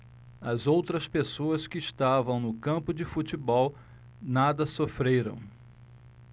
as outras pessoas que estavam no campo de futebol nada sofreram